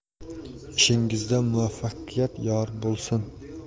ishingizda muvafaqqiyat yor bo'lsin